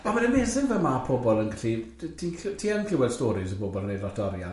Ond mae'n amazing fel ma' pobl yn gallu ti'n clywed storis o bobl yn wneud lot o arian.